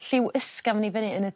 lliw ysgafn i fyny yn y